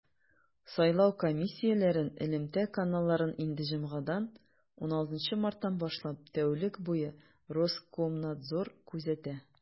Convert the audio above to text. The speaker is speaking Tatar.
Сайлау комиссияләрен элемтә каналларын инде җомгадан, 16 марттан башлап, тәүлек буе Роскомнадзор күзәтә.